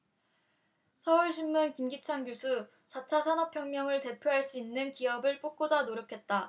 서울신문 김기찬 교수 사 차 산업혁명을 대표할 수 있는 기업을 뽑고자 노력했다